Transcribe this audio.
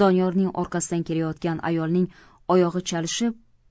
doniyorning orqasidan kelayotgan ayolning oyog'i chalishib